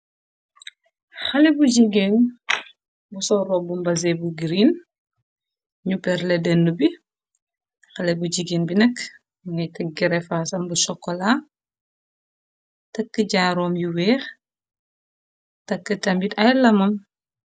Xale bu jegéen bu soo rop bu mbasée bu greene, ñu perle dend bi. Xale bu jegeen bi nakk mëngay teggrefaasam bu chokkola, takk jaaroom yu wéex takk tambit ay lamam.